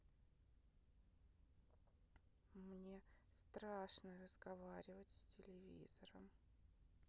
мне страшно разговаривать с телевизором